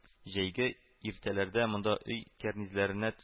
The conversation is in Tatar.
Җәйге иртәләрдә монда өй кәрнизләренә